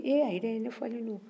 ne dumuni tuma ma se fɔlɔn